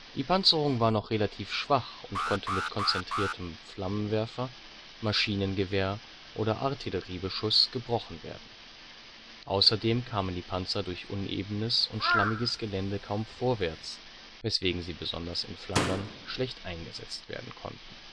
Die Panzerung war noch relativ schwach und konnte mit konzentriertem Flammenwerfer -, Maschinengewehr - oder Artilleriebeschuss gebrochen werden. Außerdem kamen die Panzer durch unebenes und schlammiges Gelände kaum vorwärts, weswegen sie besonders in Flandern schlecht eingesetzt werden konnten